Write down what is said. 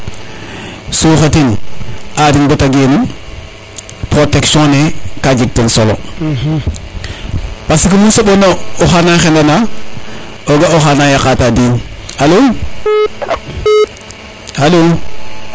soxa tin arin bata genu protection ne ka jeg ten solo parce que mu soɓo na oxa na xendana o ga aoxa na yaqa ta di in alo alo